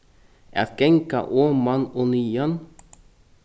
at ganga oman og niðan